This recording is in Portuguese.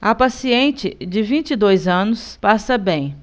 a paciente de vinte e dois anos passa bem